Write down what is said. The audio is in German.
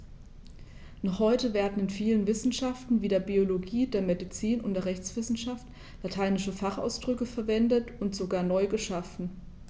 Noch heute werden in vielen Wissenschaften wie der Biologie, der Medizin und der Rechtswissenschaft lateinische Fachausdrücke verwendet und sogar neu geschaffen.